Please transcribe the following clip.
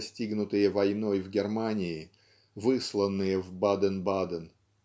застигнутые войной в Германии высланные в Баден-Баден.